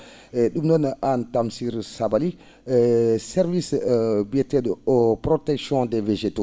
ey ?um noon an Tamsir Sabaly service % biyetee?o % protection des végétaux